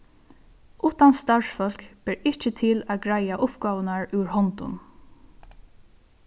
uttan starvsfólk ber ikki til at greiða uppgávurnar úr hondum